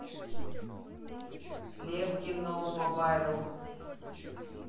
levkin по mobile